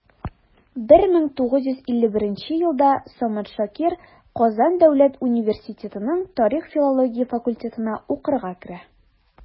1951 елда самат шакир казан дәүләт университетының тарих-филология факультетына укырга керә.